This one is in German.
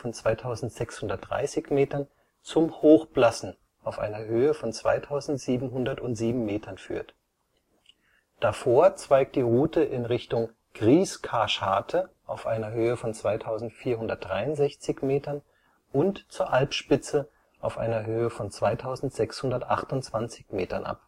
2630 m) zum Hochblassen (2707 m) führt. Davor zweigt die Route in Richtung Grießkarscharte (2463 m) und zur Alpspitze (2628 m